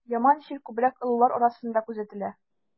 Яман чир күбрәк олылар арасында күзәтелә.